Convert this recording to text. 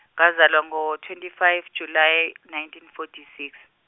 ngozalwa ngo twenty five July nineteen forty six.